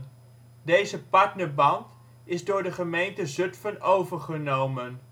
Deze partnerband is door de gemeente Zutphen overgenomen